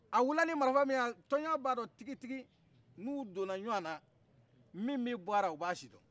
a wilila ni marafa min ye tɔnjɔnw b'a dɔn tigitigi n'u dona ɲɔgɔna min bɛ bɔ ala u b'a si dɔn